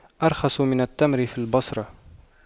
أرخص من التمر في البصرة